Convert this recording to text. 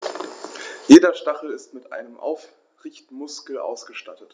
Jeder Stachel ist mit einem Aufrichtemuskel ausgestattet.